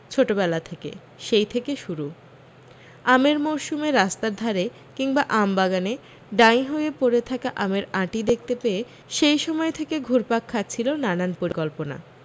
ছোটবেলা থেকে সেই থেকে শুরু আমের মরসুমে রাস্তার ধারে কিংবা আম বাগানে ডাঁই হয়ে পড়ে থাকা আমের আঁটি দেখতে পেয়ে সেই সময়ে থেকে ঘুরপাক খাচ্ছিল নানান পরিকল্পনা